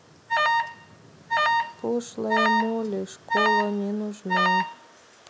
пошлая молли школа не нужна